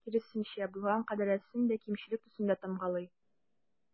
Киресенчә, булган кадәресен дә кимчелек төсендә тамгалый.